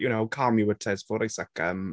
You know? Calm your tits for a second.